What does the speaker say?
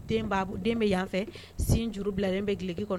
Den'a den bɛ yan fɛ sin juru bila n bɛki kɔrɔ